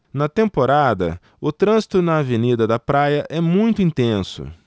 na temporada o trânsito na avenida da praia é muito intenso